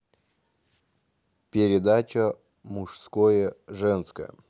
передача мужское женское